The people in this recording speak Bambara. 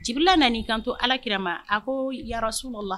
Bi nana kanto alakirama a ko yas la